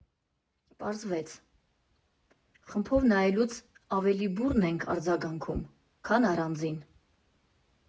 Պարզվեց՝ խմբով նայելուց ավելի բուռն ենք արձագանքում, քան առանձին։